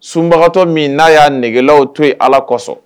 Sunbagatɔ min n'a y'a nɛgɛgelaw to yen ala kosɔn